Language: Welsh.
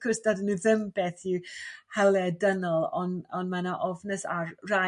gwrs dydyn n'w ddim beth yw hawliau dynol ond ond mae 'na ofnus ar rai